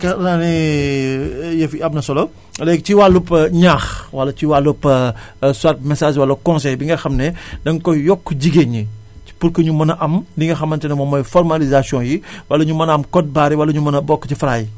yaakaar naa ni yëf yi am na solo léegi ci wàllub ñaax wala ci wàllub soit message wala conseil bi nga xam ne danga koy yokk jigéen ñi pour que ñu mën a am li nga xamante ne moom mooy formalisation yi wala ñu mën a am code barre yi wala ñu mën a bokk ci Fra yi